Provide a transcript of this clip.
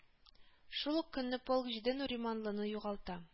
Шул ук көнне полк җиде нуриманлыны югалта